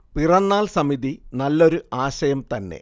പിറന്നാൾ സമിതി നല്ലൊരു ആശയം തന്നെ